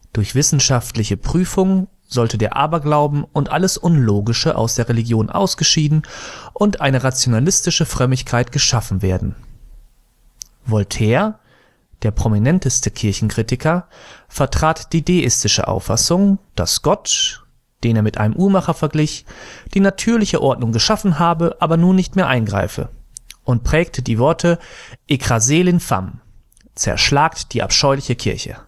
Durch wissenschaftliche Prüfung sollte der Aberglauben und alles Unlogische aus der Religion ausgeschieden und eine rationalistische Frömmigkeit geschaffen werden. Voltaire, der prominenteste Kirchenkritiker, vertrat die deistische Auffassung, dass Gott, den er mit einem Uhrmacher verglich, die natürliche Ordnung geschaffen habe, aber nun nicht mehr eingreife, und prägte die Worte « écrasez l'infâme »(„ Zerschlagt die abscheuliche [Kirche